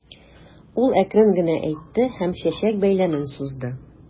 Ул әкрен генә әйтте һәм чәчәк бәйләмен сузды.